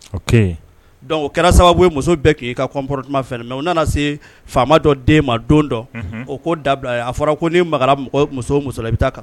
Dɔnku o kɛra sababu ye muso bɛɛ k i kaporotumama fɛ mɛ u nana se faama dɔ den ma don dɔ o ko dabila a fɔra ko ni ma muso muso i bɛ taa kan